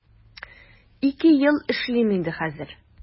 Ике ел эшлим инде хәзер.